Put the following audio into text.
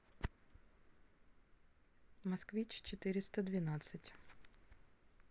москвич четыреста двенадцать